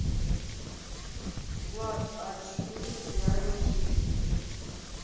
влад а четыре в реальной жизни